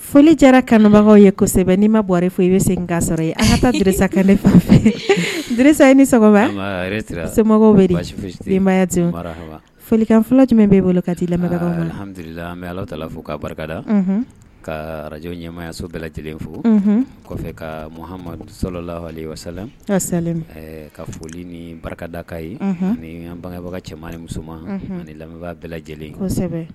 Foli jara kanbaga ye kosɛbɛ n'i ma bɔrɛ fɔ i bɛ se ka sara ye a katafa fɛ ye ni se folikan fila jumɛn bɛ bolo katiha ala t ta fo ka barikada ka arajo ɲɛmayaso bɛɛ lajɛlen fo kɔfɛ ka muhamaduso la sa ka foli ni barikada ka ye ni bangebaga cɛman ni musoman ani lamɛn bɛɛ lajɛlen kosɛbɛ